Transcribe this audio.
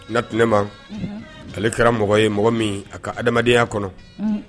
N tɛna ne ma ale kɛra mɔgɔ ye mɔgɔ min a ka adamadenyaya kɔnɔ